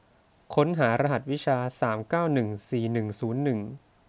ค้นหารหัสวิชาสามเก้าหนึ่งสี่หนึ่งศูนย์หนึ่ง